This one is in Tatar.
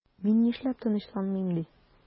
Мин нишләп тынычланыйм ди?